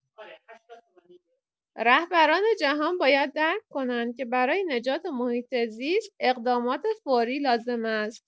رهبران جهان باید درک کنند که برای نجات محیط‌زیست اقدامات فوری لازم است.